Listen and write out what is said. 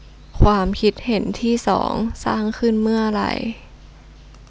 ความคิดเห็นที่สองสร้างขึ้นเมื่อไร